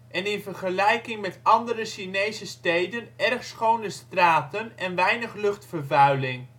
en in vergelijking met andere Chinese steden erg schone straten en weinig luchtvervuiling